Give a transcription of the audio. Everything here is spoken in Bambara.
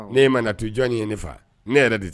N'e ma na tun jɔn ye ne fa, ne yɛrɛ de tɛ